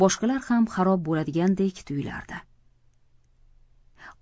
boshqalar ham xarob bo'ladigandek tuyulardi